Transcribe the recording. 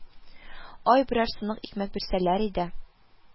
Ай, берәр сынык икмәк бирсәләр иде